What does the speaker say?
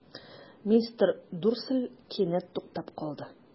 Мистер Дурсль кинәт туктап калды.